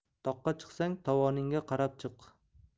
toqqa chiqsang tovoningga qarab chiq